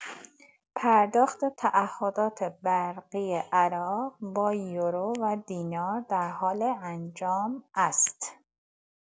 پرداخت تعهدات برقی عراق با یورو و دینار در حال انجام است.